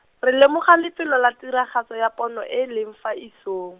re lemoga lefelo la tiragatso ya pono e e leng fa isong.